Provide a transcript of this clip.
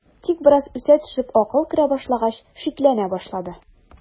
Тик бераз үсә төшеп акыл керә башлагач, шикләнә башлады.